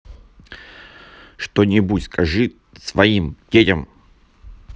хоть что нибудь скажи моим детям